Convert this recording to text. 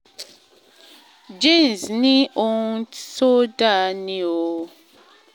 Jaynes ní “Ohun tó da ni o.”